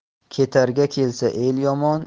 ketarga kelsa el yomon